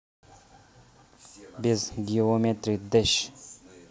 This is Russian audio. без geometry dash